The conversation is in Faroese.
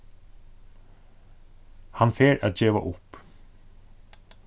hann fer at geva upp